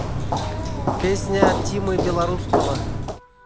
песня тимы белорусского